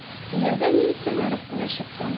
Кияүгә мин соңарып кына чыктым.